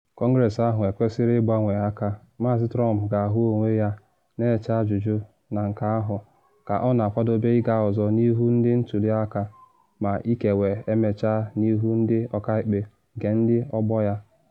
Kọngress ahụ ekwesịrị ịgbanwe aka, Maazị Trump ga-ahụ onwe ya na eche ajụjụ na nke ahụ, ka ọ na akwadobe ịga ọzọ n’ihu ndị ntuli aka, ma ikekwe emechaa n’ihu ndị ọkaikpe nke ndị ọgbọ ya.